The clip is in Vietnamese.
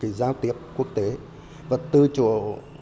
cái giao tiếp quốc tế và từ chỗ